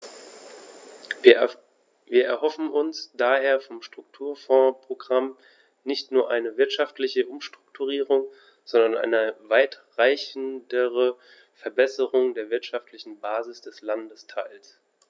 Wir erhoffen uns daher vom Strukturfondsprogramm nicht nur eine wirtschaftliche Umstrukturierung, sondern eine weitreichendere Verbesserung der wirtschaftlichen Basis des Landesteils.